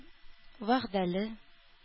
Вәгъдәле